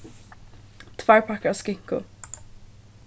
tveir pakkar av skinku